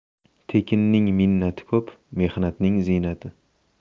tekinning minnati ko'p mehnatning ziynati